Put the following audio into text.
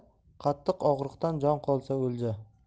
qattiq og'riqdan jon qolsa o'lja